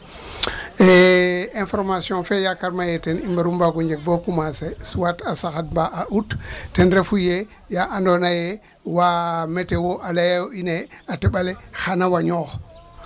Information fe yakarma yee ten i mbaagu njeg bo commencer soit a saxad mba a ut ten refu yee ya andoona yee wa météo a layaayo in ee a teƥ ale xan a wañoox.